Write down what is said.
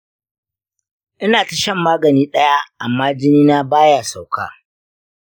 ina ta shan magani ɗaya amma jini na baya sauka.